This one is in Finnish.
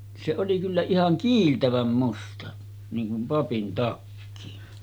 se oli kyllä ihan kiiltävän musta niin kuin papin takki